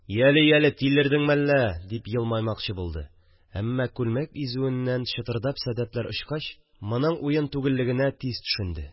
– яле, яле, тилердеңме әллә? – дип елмаймакчы булды, әммә күлмәк изүеннән чытырдап сәдәпләр очкач, моның уен түгеллегенә тиз төшенде